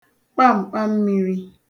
kpam̀kpammirī